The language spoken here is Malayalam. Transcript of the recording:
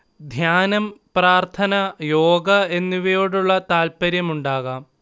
ധ്യാനം, പ്രാര്‍ഥന, യോഗ എന്നിവയോടുള്ള താല്പര്യം ഉണ്ടാകാം